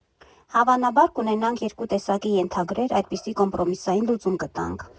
Հավանաբար կունենանք երկու տեսակի ենթագրեր, այդպիսի կոմպրոմիսային լուծում կտանք։